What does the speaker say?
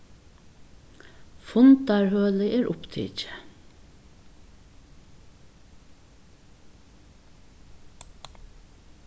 fundarhølið er upptikið